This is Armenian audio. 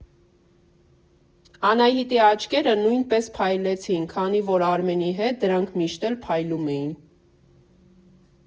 Անահիտի աչքերը նույնպես փայլեցին, քանի որ Արմենի հետ դրանք միշտ էլ փայլում էին։